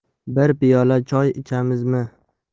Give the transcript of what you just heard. bir piyola choy ichamizmi